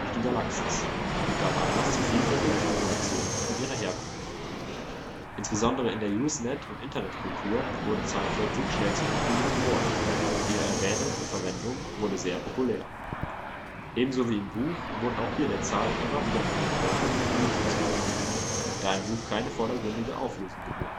die Galaxis “und gab Anlass zu vielfältigen Spekulationen um ihre Herkunft. Insbesondere in der Usenet - und Internetkultur wurde „ 42 “schnell zum geflügelten Wort, und ihre Erwähnung und Verwendung wurde sehr populär. Ebenso wie im Buch wurden auch hier der Zahl immer wieder neue Bedeutungen und Mythen zugeschrieben, da im Buch keine vordergründige Auflösung